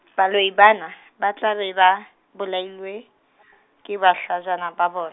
baloi bana, ba tla be ba, bolailwe , ke bohlajana ba bon-.